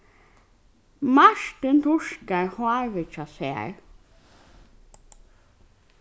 martin turkar hárið hjá sær